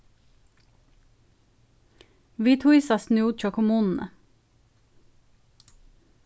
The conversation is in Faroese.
vit hýsast nú hjá kommununi